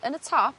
yn y top